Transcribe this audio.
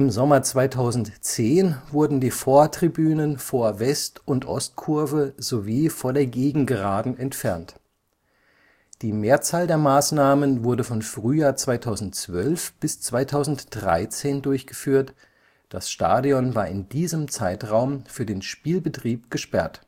Sommer 2010 wurden die Vortribünen vor West - und Ostkurve sowie vor der Gegengeraden entfernt. Die Mehrzahl der Maßnahmen wurde von Frühjahr 2012 bis 2013 durchgeführt, das Stadion war in diesem Zeitraum für den Spielbetrieb gesperrt